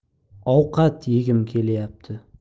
ovqat yegim kelyapti